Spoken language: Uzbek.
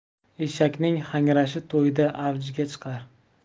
eshakning hangrashi to'yda avjga chiqar